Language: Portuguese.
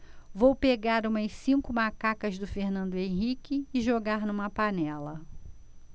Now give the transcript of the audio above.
vou pegar umas cinco macacas do fernando henrique e jogar numa panela